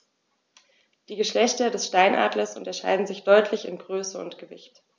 Die Geschlechter des Steinadlers unterscheiden sich deutlich in Größe und Gewicht.